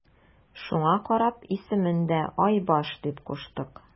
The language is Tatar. Шуңа карап исемен дә Айбаш дип куштык.